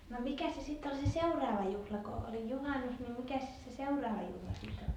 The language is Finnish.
no mikä se sitten oli se seuraava juhla kun oli juhannus niin mikäs se seuraava juhla sitten oli